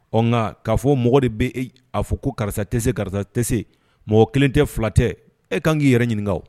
Ɔ nka k'a fɔ mɔgɔ de bɛ e a fɔ ko karisa tɛ se karisa tɛ se, mɔgɔ kelen tɛ fila tɛ, e ka kan k'i yɛrɛ ɲininka o.